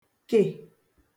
kè